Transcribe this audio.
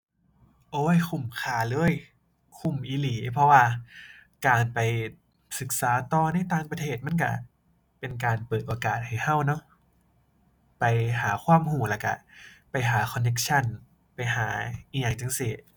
โอ๊ย คุ้มค่าเลย คุ้มอีหลี เพราะว่าการไปศึกษาต่อในต่างประเทศ มันก็เป็นการเปิดโอกาสให้ก็เนาะ ไปหาความก็แล้วก็ไปหาคอนเน็กชัน ไปหาอิหยังจั่งซี้